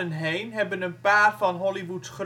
heen hebben een paar van Hollywoods